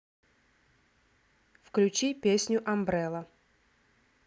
включи песню амбрелла